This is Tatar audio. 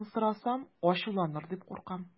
Тагын сорасам, ачуланыр дип куркам.